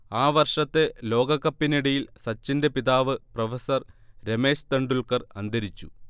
ആ വർഷത്തെ ലോകകപ്പിനിടയിൽ സച്ചിന്റെ പിതാവ് പ്രൊഫസർ രമേശ് തെൻഡുൽക്കർ അന്തരിച്ചു